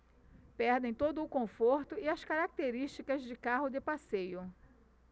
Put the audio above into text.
perdem todo o conforto e as características de carro de passeio